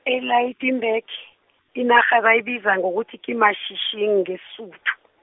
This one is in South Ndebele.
e- Lydenburg, inarha ebayibiza ngokuthi kuMashishini ngesiSuthu.